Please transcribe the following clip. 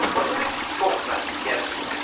Moira? Maura? Yeah, must be Maura?